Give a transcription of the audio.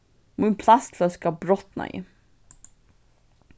mín plastfløska brotnaði